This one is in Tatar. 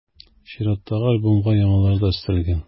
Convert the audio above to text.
Чираттагы альбомга яңалары да өстәлгән.